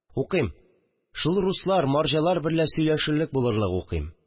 Укыйм, шул руслар, марҗалар берлә сөйләшерлек булырлык укыйм